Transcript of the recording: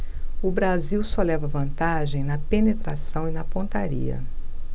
o brasil só leva vantagem na penetração e na pontaria